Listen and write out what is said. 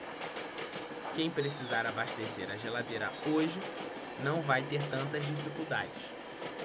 quem precisar abastecer a geladeira hoje não vai ter tantas dificuldades